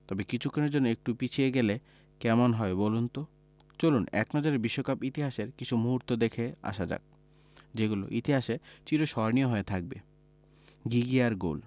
তবে কিছুক্ষণের জন্য একটু পিছিয়ে গেলে কেমন হয় বলুন তো চলুন এক নজরে বিশ্বকাপ ইতিহাসের কিছু মুহূর্ত দেখে আসা যাক যেগুলো ইতিহাসে চিরস্মরণীয় হয়ে থাকবে ঘিঘিয়ার গোল